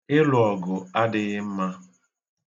Ịlụ ọgụ adịghị mma.